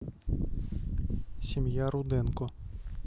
семья руденко